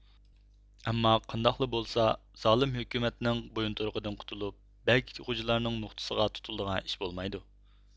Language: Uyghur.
ئەمما قانداقلا بولسا زالىم ھۆكۈمەتنىڭ بويۇنتۇرۇقىدىن قۇتۇلۇپ بەگ غوجىلارنىڭ نوختىسىغا تۇتۇلىدىغان ئىش بولمايدۇ